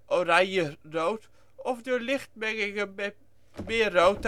oranje, rood) — of door lichtmengingen met meer rood